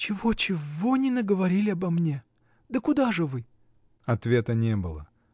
— Чего-чего не наговорили обо мне! Да куда же вы? Ответа не было.